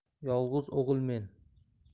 yolg'iz o'g'ilmen